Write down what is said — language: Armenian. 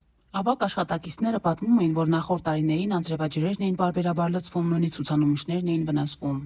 Ավագ աշխատակիցները պատմում էին, որ նախորդ տարիներին անձրևաջրերն էին պարբերաբար լցվում, նույնիսկ ցուցանմուշներն էին վնասվում։